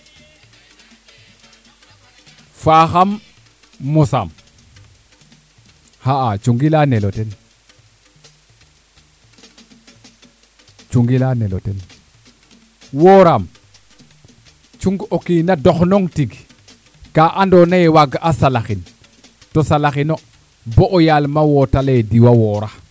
faxam mosaam xa'a cungi leya ndelo ten cugi leya ndelo ten wooram cungi o kiina doxnong tig ka ando naye waag a salaxin to salaxino bo o yaal ma woot e diwa woora